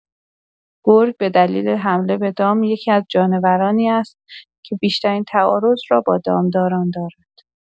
گرگ به دلیل حمله به دام، یکی‌از جانورانی است که بیشترین تعارض را با دامداران دارد.